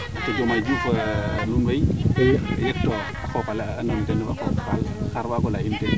Diomaye Diouf nuun way yaktoor na qoqale xaal xar waago leya in